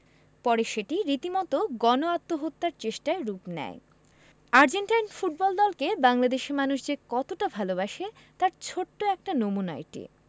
পরে সেটি রীতিমতো গণ আত্মহত্যার চেষ্টায় রূপ নেয় আর্জেন্টাইন ফুটবল দলকে বাংলাদেশের মানুষ যে কতটা ভালোবাসে তার ছোট্ট একটা নমুনা এটি